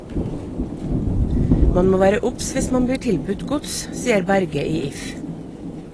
Man må være obs hvis man blir tilbudt gods, sier Berge i If.